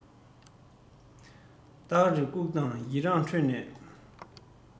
བདག རེ སྒུག དང ཡི རངས ཁྲོད ནས